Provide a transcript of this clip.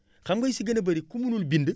xam nga yu si gën a bëri ku munul bind